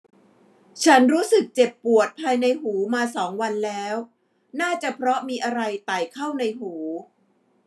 ฉันรู้สึกเจ็บปวดภายในหูมาสองวันแล้วน่าจะเพราะมีอะไรไต่เข้าในหู